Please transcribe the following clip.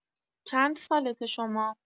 چندسالته شما؟